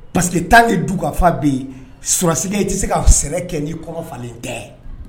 Pa t tan ni du ka fa bɛ yen susi i tɛ se ka sɛ kɛ n'i kɔ fa tɛ